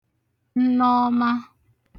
nnọọma